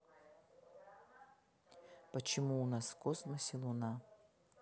почему у нас в космосе луна